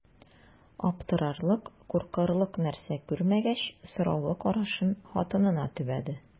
Аптырарлык, куркырлык нәрсә күрмәгәч, сораулы карашын хатынына төбәде.